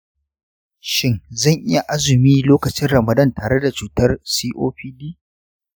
shin zan iya azumi lokacin ramadan tare da cutar copd?